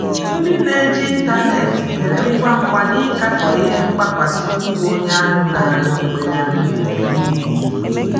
Ndị na-eji ịntaneetị mere ngwangwa n'ịkatọ ihe mgbakwasị ụkwụ onye ahụ na-arịọ mkpegharị nyere n'ụlọ ikpe.